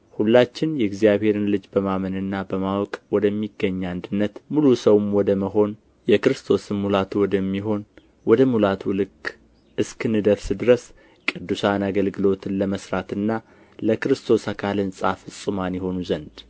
ሁላችን የእግዚአብሔርን ልጅ በማመንና በማወቅ ወደሚገኝ አንድነት ሙሉ ሰውም ወደ መሆን የክርስቶስም ሙላቱ ወደሚሆን ወደ ሙላቱ ልክ እስክንደርስ ድረስ ቅዱሳን አገልግሎትን ለመሥራትና ለክርስቶስ አካል ሕንጻ ፍጹማን ይሆኑ ዘንድ